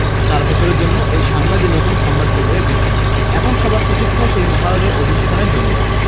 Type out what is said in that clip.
চার বছরের জন্য এই সাম্রাজ্যের নতুন সম্রাট পেয়ে যাবে বিশ্ব এখন সবার প্রতীক্ষা সেই মহারাজের অধিষ্ঠানের জন্য